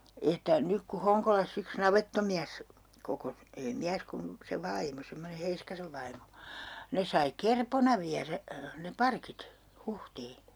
että nyt kun Honkolassa yksi navettamies kokosi ei mies kun se vaimo semmoinen Heiskasen vaimo ne sai kerpona viedä ne parkit Huhtiin